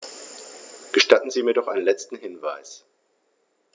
Gestatten Sie mir noch einen letzten Hinweis.